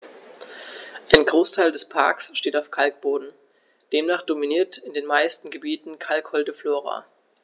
Ein Großteil des Parks steht auf Kalkboden, demnach dominiert in den meisten Gebieten kalkholde Flora.